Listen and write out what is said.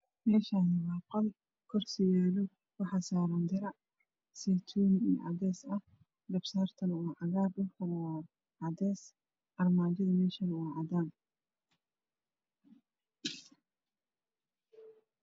Meeshaani waa qol kursi yaalo waxaa saaran dirac saytuun cadays ah kabsaartana waa cagaar armaajada waa cadaan